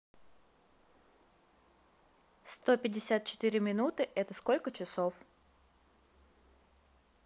сто пятьдесят четыре минуты это сколько часов